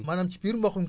maanaam ci biir mboq mi